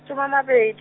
soma a mabed-.